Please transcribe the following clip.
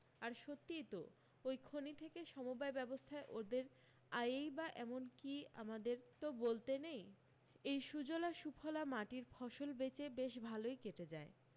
আর সত্যিই তো অই খনি থেকে সমবায় ব্যবস্থায় ওদের আয়ৈ বা এমন কী আমাদের তো বলতে নেই এই সুজলা সুফলা মাটির ফসল বেচে বেশ ভালই কেটে যায়